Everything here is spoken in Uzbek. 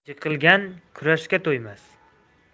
yiqilgan kurashga to'ymas